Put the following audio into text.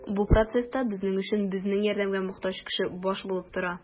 Бу процесста безнең өчен безнең ярдәмгә мохтаҗ кеше баш булып тора.